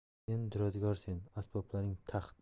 sen duradgorsen asboblaring taxt